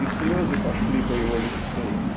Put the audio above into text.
и слезы пошли по его лицу.